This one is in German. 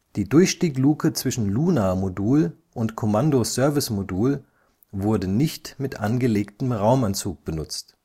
Die Durchstiegluke zwischen Lunar-Modul (LM) und Kommando-Service-Modul (CSM) wurde nicht mit angelegtem Raumanzug benutzt